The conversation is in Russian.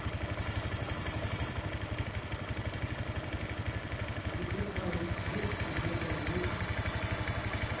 тебе палец вверх тебе болеть